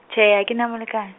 Tjhee ha kena molekane.